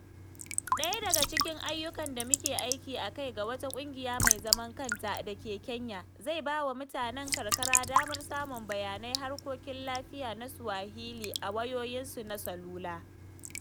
Ɗaya daga cikin ayyukan da muke aiki a kai ga wata ƙungiya mai zaman kanta da ke Kenya zai baiwa mutanen karkara damar samun bayanan harkokin lafiya na Swahili a wayoyinsu na salula.